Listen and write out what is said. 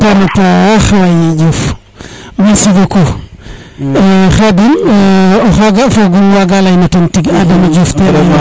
i content na paax jerefef merci beaucoup Khadim o xaga fogum waga ley na ten tig Adama Diouf